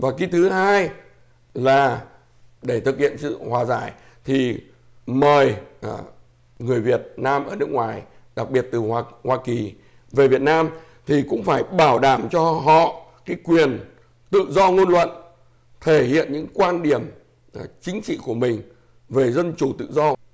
và cái thứ hai là để thực hiện sự hòa giải thì mời người việt nam ở nước ngoài đặc biệt từ hoa hoa kỳ về việt nam thì cũng phải bảo đảm cho họ cái quyền tự do ngôn luận thể hiện những quan điểm chính trị của mình về dân chủ tự do